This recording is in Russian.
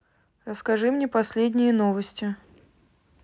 расскажи мне последние новости